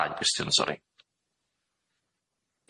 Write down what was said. Dau gwestiwn sori.